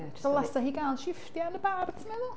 So lasa hi gael shifftiau yn y bar ti'n meddwl?